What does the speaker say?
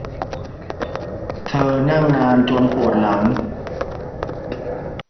เธอนั่งนานจนปวดหลัง